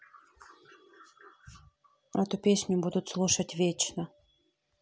эту песню будут слушать вечно